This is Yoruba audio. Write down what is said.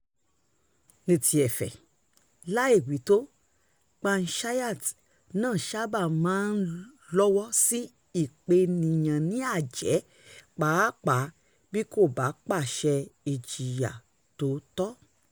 Ní ti ẹ̀fẹ̀, láì wí tó, panchayat náà sábà máa ń lọ́wọ́ sí ìpènìyàn ní àjẹ́ pàápàá bí kò bá pàṣẹ ìjìyà t'ó tọ́.